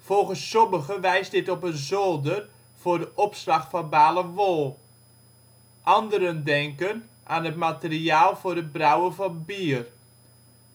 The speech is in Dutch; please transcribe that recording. Volgens sommigen wijst dit op een zolder voor de opslag van balen wol. Anderen denken aan het materiaal voor het brouwen van bier;